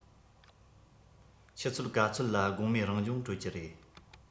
ཆུ ཚོད ག ཚོད ལ དགོང མོའི རང སྦྱོང གྲོལ གྱི རེད